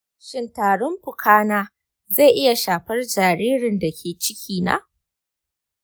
shin tarin fukana zai iya shafar jaririn da ke cikina?